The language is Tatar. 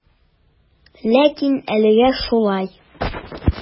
Ләкин әлегә шулай.